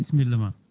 bisimilla ma